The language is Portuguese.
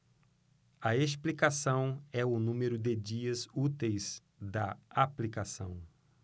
a explicação é o número de dias úteis da aplicação